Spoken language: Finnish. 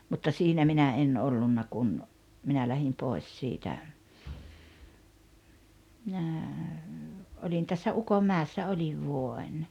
mutta siinä minä en ollut kun minä lähdin pois siitä minä olin tässä Ukonmäessä olin vuoden